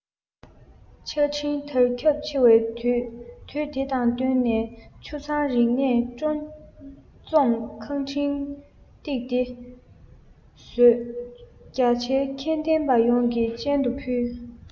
ཆ འཕྲིན དར ཁྱབ ཆེ བའི དུས དུས དེ དང བསྟུན ནས ཆུ ཚང རིག གནས སྤྲོ འཛོམས ཁང འཕྲིན སྟེགས འདི བཟོས རྒྱ ཆེའི མཁས ལྡན པ ཡོངས ཀྱི སྤྱན དུ ཕུལ